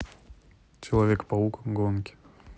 человек паук гонки